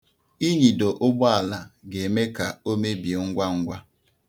Ịnyịdo ụgbọala ga-eme ka o mebie ngwangwa.